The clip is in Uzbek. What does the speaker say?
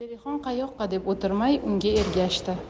zelixon qayoqqa deb o'tirmay unga ergashdi